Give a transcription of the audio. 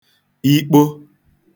ikpo